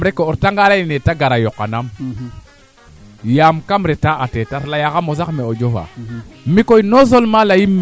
donc xoxox we fop a mbaro coox kee ando naye ten refu meteo xoox wala boog nof